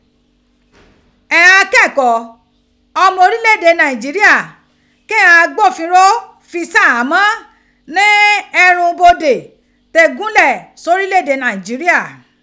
Ighan akẹkọọ ọmọ orilẹ ede Naijiria kighan agbofinro fi si ahamọ ni ẹrun bode ti gunlẹ sorilẹ ede Naijiria.